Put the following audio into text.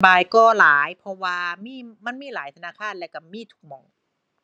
บายกว่าหลายเพราะว่ามี มันมีหลายธนาคารแล้วก็มีทุกหม้อง